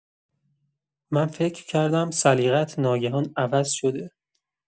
من فکر کردم سلیقه‌ات ناگهان عوض شده.